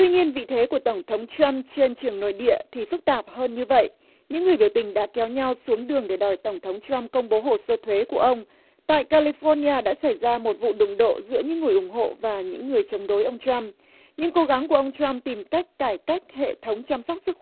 tuy nhiên vị thế của tổng thống trăm trên trường nội địa thì phức tạp hơn như vậy những người biểu tình đã kéo nhau xuống đường để đòi tổng thống trăm công bố hồ sơ thuế của ông tại ca li phóc ni a đã xảy ra một vụ đụng độ giữa những người ủng hộ và những người chống đối ông trăm những cố gắng của ông trăm tìm cách cải cách hệ thống chăm sóc sức